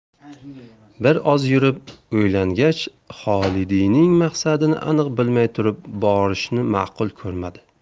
bir oz yurib o'ylangach xolidiyning maqsadini aniq bilmay turib borishni ma'qul ko'rmadi